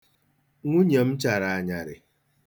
Nwunye m chara anyarị.